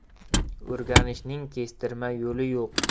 o'rganishning kestirma yo'li yo'q